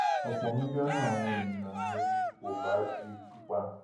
Ọ̀pọ̀ mílíọ̀nù àwọn eniyan ní kòbá di pípa.